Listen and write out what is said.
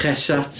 Hesate.